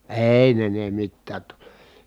ei ne ne mitään toki